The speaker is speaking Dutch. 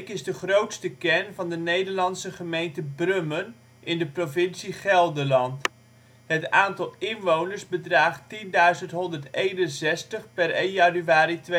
is de grootste kern van de Nederlandse gemeente Brummen in de provincie Gelderland. Het aantal inwoners bedraagt 10.161 (per 1 januari 2008